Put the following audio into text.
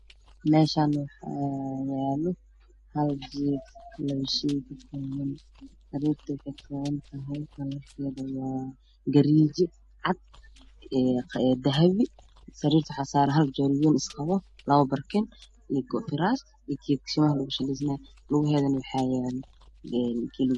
Meeshaan waxaa yaalo hal jiif labo shay gadgaduudan sariirta waxay ka koobantahay kalarkeedna waa gariijo cad dahabi sariirta waxa saaran hal joowari wayn isqabo labo barkin iyo go firaash iyo geedka timaha lagu shalaysanaayey lugaheedana waxaa yaalo